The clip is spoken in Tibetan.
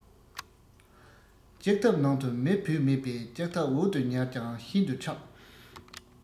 ལྕགས ཐབ ནང དུ མེ བུད མེད པས ལྕགས ཐབ འོག ཏུ ཉལ ཡང ཤིན ཏུ འཁྱགས